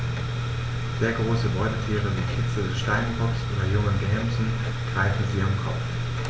Sehr große Beutetiere wie Kitze des Steinbocks oder junge Gämsen greifen sie am Kopf.